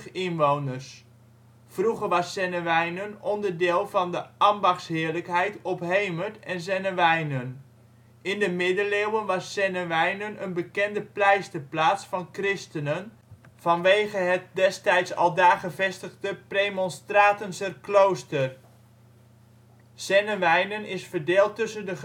150 inwoners. Vroeger was Zennewijnen onderdeel van de ambachtsheerlijkheid Ophemert en Zennewijnen. In de Middeleeuwen was Zennewijnen een bekende pleisterplaats van christenen, vanwege het destijds aldaar gevestigde praemonstratenzer klooster. Zennewijnen is verdeeld tussen de